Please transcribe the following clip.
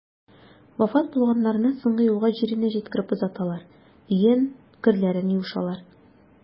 Вафат булганнарны соңгы юлга җиренә җиткереп озаталар, өен, керләрен юышалар.